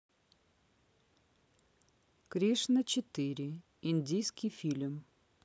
кришна четыре индийский фильм